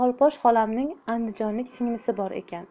xolposh xolamning andijonlik singlisi bor ekan